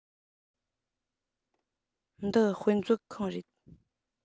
འདི དཔེ མཛོད ཁང རེད